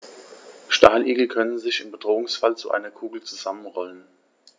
Stacheligel können sich im Bedrohungsfall zu einer Kugel zusammenrollen.